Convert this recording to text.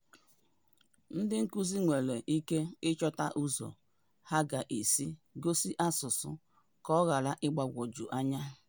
Ndị nkuzi nwere ike ịchọta ụzọ ha ga-esi gosi asụsụ ka ọ ghara ịgbagwoju anya.